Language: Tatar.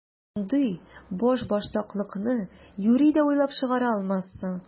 Мондый башбаштаклыкны юри дә уйлап чыгара алмассың!